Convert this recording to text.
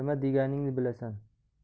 nima deganingni bilasan